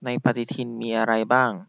ในปฎิทินมีอะไรบ้าง